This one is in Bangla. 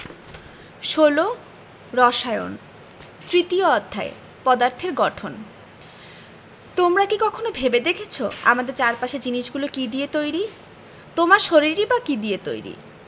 ১৬ রসায়ন তৃতীয় অধ্যায় পদার্থের গঠন তোমরা কি কখনো ভেবে দেখেছ আমাদের চারপাশের জিনিসগুলো কী দিয়ে তৈরি তোমার শরীরই বা কী দিয়ে তৈরি